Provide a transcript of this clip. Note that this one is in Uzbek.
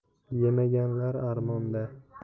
yemaganlar armonda